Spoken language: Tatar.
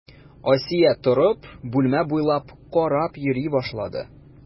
Асия торып, бүлмә буйлап карап йөри башлады.